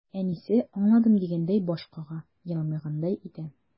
Әнисе, аңладым дигәндәй баш кага, елмайгандай итә.